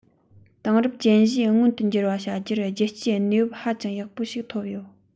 དེང རབས ཅན བཞི མངོན དུ འགྱུར བ བྱ རྒྱུར རྒྱལ སྤྱིའི གནས བབས ཧ ཅང ཡག པོ ཞིག ཐོབ ཡོད